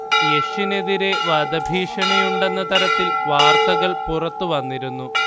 യഷിനെതിരേ വധഭീഷണിയുണ്ടെന്ന തരത്തിൽ വാർത്തകൾ പുറത്ത് വന്നിരുന്നു